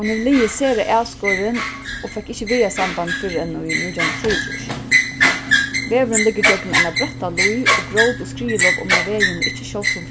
hon hevur ligið sera avskorin og fekk ikki vegasamband fyrr enn í nítjan hundrað og trýogtrýss vegurin liggur gjøgnum eina bratta líð og grót og skriðulop oman á vegin eru ikki sjáldsom